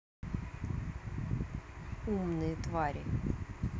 умные твари